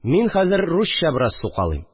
Мин хәзер русча бераз сукалайм